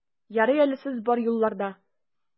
Ярый әле сез бар юлларда!